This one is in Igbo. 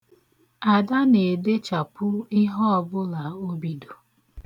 Ada na-edechapụ ihe ọbụla o bido.